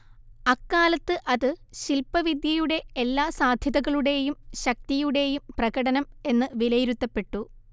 അക്കാലത്ത് അത് ശില്പവിദ്യയുടെ എല്ലാ സാധ്യതകളുടേയും ശക്തിയുടേയും പ്രകടനം എന്ന് വിലയിരുത്തപ്പെട്ടു